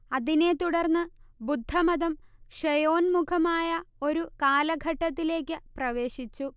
അതിനെ തുടർന്ന് ബുദ്ധമതം ക്ഷയോന്മുഖമായ ഒരു കാലഘട്ടത്തിലേക്ക് പ്രവേശിച്ചു